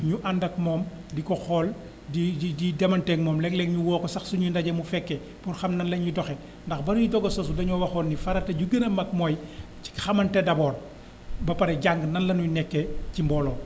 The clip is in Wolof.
ñu ànd ak moom di ko xool di di di demanteeg moom léeg léeg ñu woo ko sax suñuy ndaje mu fekkee pour xam nan la ñuy doxee ndax ba ñuy doog a sosu dañoo waxoon ni farata ju gën a mag mooy ci xamante d' abord ba pare jàng nan la ñuy nekkee ci mbooloo